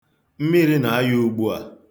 Mmiri na-ayọ ugbua.